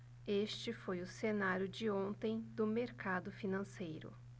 este foi o cenário de ontem do mercado financeiro